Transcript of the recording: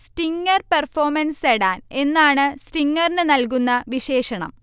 Stinger performance sedan എന്നാണ് സ്റ്റിങ്ങറിന് നൽകുന്ന വിശേഷണം